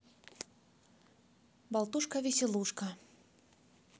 болтушка веселушка